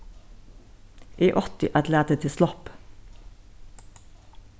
eg átti at latið teg sloppið